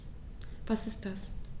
Was ist das?